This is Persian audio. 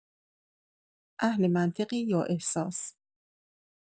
اهل منظقی یا احساس؟